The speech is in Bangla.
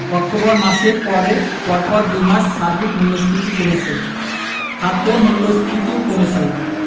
অক্টোবর মাসের পরে পরপর দুই মাস সার্বিক মূল্যস্ফীতি কমেছে খাদ্য মূল্যস্ফীতিও কমেছে